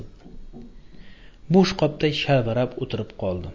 bo'sh qopday shalvirab o'tirib qoldi